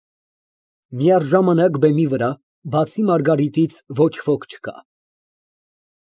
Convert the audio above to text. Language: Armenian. Միաժամանակ բեմի վրա, բացի Մարգարիտից, ոչ ոք չկա։